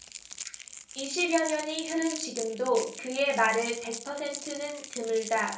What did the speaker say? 이십 여년이 흐른 지금도 그의 말을 백 퍼센트 는 드물다